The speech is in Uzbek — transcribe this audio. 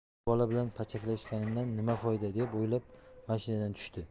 bu bola bilan pachakilashganimdan nima foyda deb o'ylab mashinadan tushdi